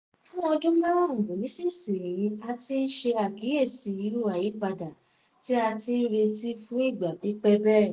A tún ní láti lè máa kó àwọn ìwé wa lọ sí òkèèrè kí àwọn orílẹ̀-èdè tí wọ́n wà ní àyíká lè kà wọ́n.